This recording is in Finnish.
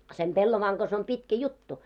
sen pellavan kanssa on pitkä juttu